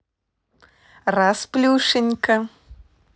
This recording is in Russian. раз плюшенька